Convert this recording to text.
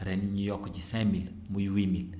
ren ñu yokk ci cinq mille muy huit mille